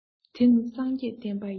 འདི ནི སངས རྒྱས བསྟན པ ཡིན